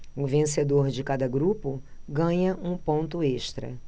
o vencedor de cada grupo ganha um ponto extra